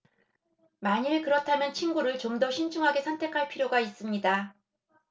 만일 그렇다면 친구를 좀 더 신중하게 선택할 필요가 있습니다